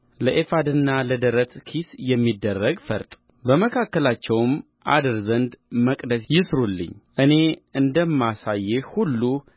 ለኤፉድና ለደረት ኪስ የሚደረግ ፈርጥ በመካከላቸውም አድር ዘንድ መቅደስ ይሥሩልኝ እኔ እንደማሳይህ ሁሉ